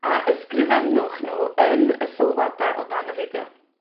a ysgrifennwch nhw yn y sylwada o dan y fideo.